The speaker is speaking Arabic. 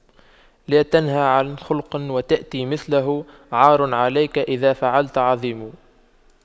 لا تنه عن خلق وتأتي مثله عار عليك إذا فعلت عظيم